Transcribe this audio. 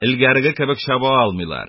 Злгәреге кебек чаба алмыйлар.